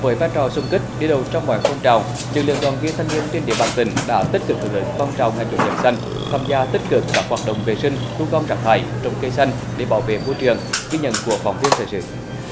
với vai trò xung kích đi đầu trong mọi phong trào lực lượng đoàn viên thanh niên trên địa bàn tỉnh đã tích cực hưởng ứng phong trào ngày chủ nhật xanh tham gia tích cực các hoạt động vệ sinh thu gom rác thải trồng cây xanh để bảo vệ môi trường ghi nhận của phóng viên thời sự